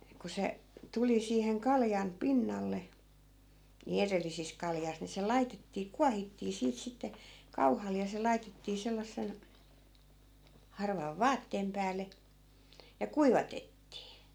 kun se tuli siihen kaljan pinnalle niin edellisissä kaljassa niin se laitettiin kuohittiin siitä sitten kauhalla ja se laitettiin sellaiseen harvan vaatteen päälle ja kuivatettiin